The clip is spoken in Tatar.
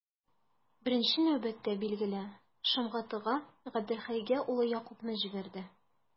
Беренче нәүбәттә, билгеле, Шомгатыга, Габделхәйгә улы Якубны җибәрде.